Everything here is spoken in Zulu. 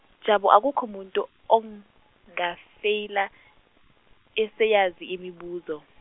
Jabu akukho muntu ongafeyila eseyazi imibuzo.